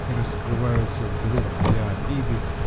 и раскрываются вдруг для обиды.